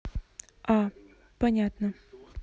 а понятно